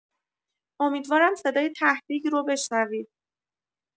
امیدوارم صدای ته‌دیگ رو بشنوید!